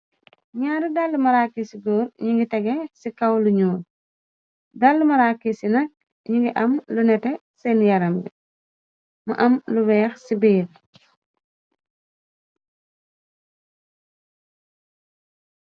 Nñaari dallu matakis yu góor ñi ngi tege ci kaw lu ñuol. Dalli maraakis yi nak ñingi am lu nete seen yaram bi, mu am lu weex ci béer.